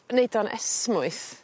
neud o'n esmwyth